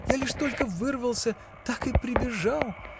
Я лишь только вырвался, так и прибежал!